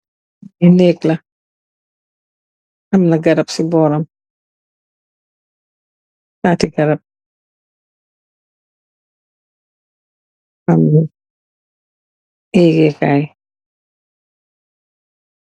Lii nehgg la, amna garab cii bohram, taati garab, amm AJ file.